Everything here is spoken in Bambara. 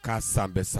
K'a san bɛɛ san